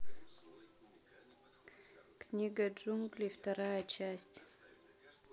книга джунглей вторая часть